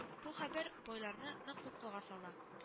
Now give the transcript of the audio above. Бу хәбәр байларны нык куркуга сала